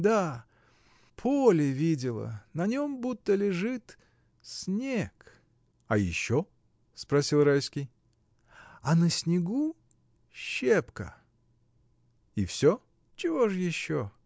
Да: поле видела, на нем будто лежит. снег. — А еще? — спросил Райский. — А на снегу щепка. — И всё? — Чего ж еще?